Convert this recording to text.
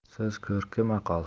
so'z ko'rki maqol